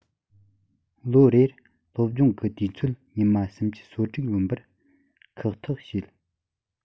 ལོ རེར སློབ སྦྱོང གི དུས ཚོད ཉི མ སུམ ཅུ སོ དྲུག ལོངས པར ཁག ཐེག བྱས